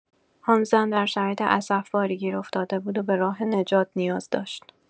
آن زن در شرایط اسفباری گیر افتاده بود و به راه نجات نیاز داشت.